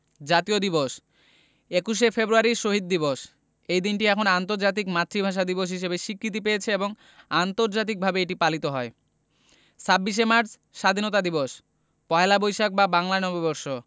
জাতীয় দিবসঃ ২১শে ফেব্রুয়ারি শহীদ দিবস এই দিনটি এখন আন্তর্জাতিক মাতৃভাষা দিবস হিসেবে স্বীকৃতি পেয়েছে এবং আন্তর্জাতিকভাবে এটি পালিত হয় ২৬শে মার্চ স্বাধীনতা দিবস পহেলা বৈশাখ বা বাংলা নববর্ষ